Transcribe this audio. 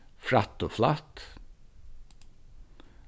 frætt og flatt